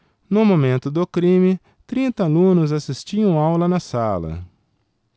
no momento do crime trinta alunos assistiam aula na sala